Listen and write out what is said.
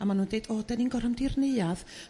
a ma' nhw'n d'eud o dyn ni'n gor'o' mynd i'r neuadd?